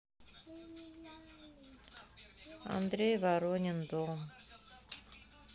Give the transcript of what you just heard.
андрей воронин дом